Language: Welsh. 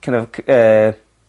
kin' of c- yy